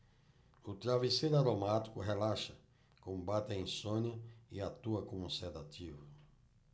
o travesseiro aromático relaxa combate a insônia e atua como sedativo